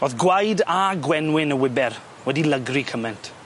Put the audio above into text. Ro'dd gwaed a gwenwyn y wiber wedi lygri cyment.